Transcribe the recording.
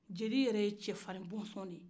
jeli yɛrɛ ye cɛ farin bɔna de ye